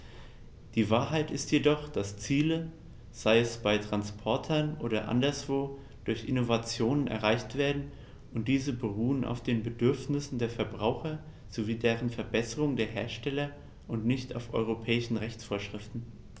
Die Wahrheit ist jedoch, dass Ziele, sei es bei Transportern oder woanders, durch Innovationen erreicht werden, und diese beruhen auf den Bedürfnissen der Verbraucher sowie den Verbesserungen der Hersteller und nicht nur auf europäischen Rechtsvorschriften.